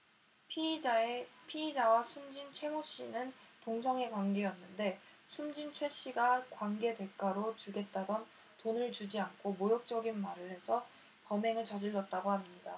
피의자와 숨진 최 모씨는 동성애 관계였는데 숨진 최씨가 관계 대가로 주겠다던 돈을 주지 않고 모욕적인 말을 해서 범행을 저질렀다고 합니다